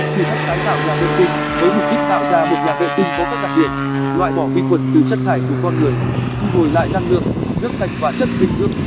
thử thách tái tạo nhà vệ sinh với mục đích tạo ra một nhà vệ sinh có các đặc điểm loại bỏ vi khuẩn từ chất thải của con người thu hồi lại năng lượng nước sạch và chất dinh dưỡng